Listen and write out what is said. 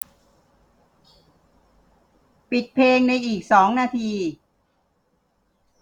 ปิดเพลงในอีกสองนาที